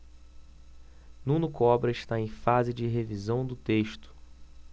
nuno cobra está em fase de revisão do texto